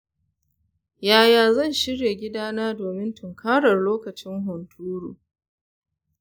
yaya zan shirya gida na domin tunkarar lokacin hunturu